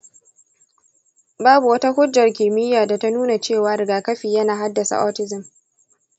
babu wata hujjar kimiyya da ta nuna cewa rigakafi yana haddasa autism.